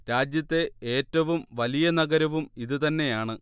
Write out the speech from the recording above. രാജ്യത്തെ ഏറ്റവും വലിയ നഗരവും ഇത് തന്നെയാണ്